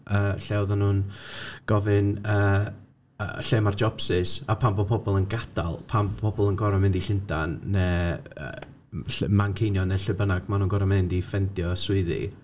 yy, lle oeddan nhw'n gofyn yy lle mae'r jobsys? A pam fod pobl yn gadael? Pam bod pobl yn gorfod mynd i Llundain? Ne, yy ll- Manceinion, neu lle bynnag ma' nhw'n gorfod mynd i ffeindio swyddi?